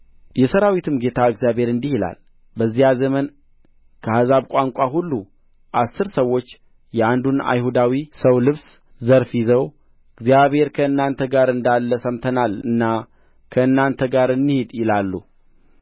የሠራዊትም ጌታ እግዚአብሔር እንዲህ ይላል በዚያ ዘመን ከአሕዛብ ቋንቋ ሁሉ አሥር ሰዎች የአንዱን አይሁዳዊ ሰው ልብስ ዘርፍ ይዘው እግዚአብሔር ከእናንተ ጋር እንዳለ ሰምተናልና ከእናንተ ጋር እንሂድ ይላሉ